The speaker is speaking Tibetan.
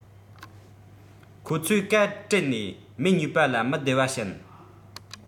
ཁོ ཚོས གཱ དྲད ནས སྨན ཉོས པ ལ མི བདེ བ བྱིན